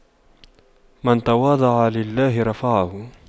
من تواضع لله رفعه